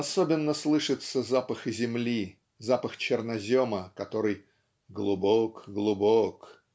Особенно слышится запах земли запах чернозема который "глубок-глубок